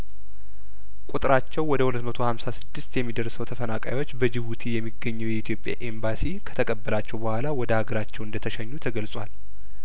ቁጥራቸው ወደ ሁለት መቶ ሀምሳ ስድስት የሚደርሰው ተፈናቃዮች በጅቡቲ የሚገኘው የኢትዮጵያ ኤምባሲ ከተቀበላቸው በኋላ ወደ አገራቸው እንደተሸኙ ተገልጿል